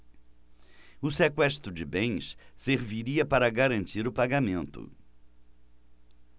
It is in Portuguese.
o sequestro de bens serviria para garantir o pagamento